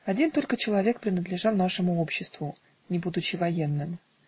Один только человек принадлежал нашему обществу, не будучи военным.